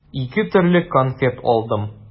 Ике төрле конфет алдым.